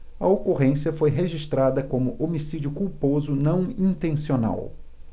a ocorrência foi registrada como homicídio culposo não intencional